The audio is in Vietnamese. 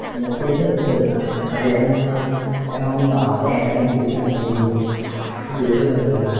dạ trên sức tưởng tượng ạ tại vì em em không đòi hỏi đẹp và em chỉ cần hiền dễ thương là được rồi ạ